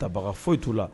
Tabaga foyi t'u la